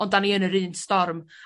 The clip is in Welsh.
On' 'dan ni yn yr un storm?